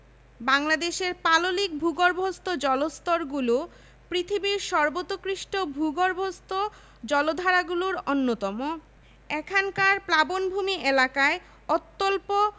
শাঁখারি স্বর্ণকার ঘরামি করাতি পাটিয়াল খনিজ সম্পদঃ প্রাকৃতিক গ্যাস কয়লা পিট চুনাপাথর কঠিন শিলা